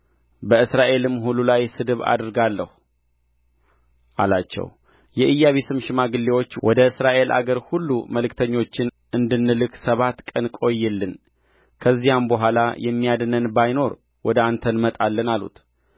በእስራኤልም ሁሉ ላይ ስድብ አደረጋለሁ አላቸው ኢያቢስም ሽማግሌዎች ወደ እስራኤል አገር ሁሉ መልክተኞችን እንድንልክ ሰባት ቀን ቆይልን ከዚያም በኋላ የሚያድነን ባይኖር ወደ አንተ እንመጣለን አሉት